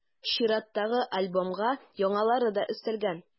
Чираттагы альбомга яңалары да өстәлгән.